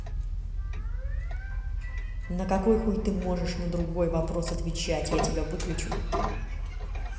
на какой хуй ты можешь на другой вопрос отвечать я тебя выключу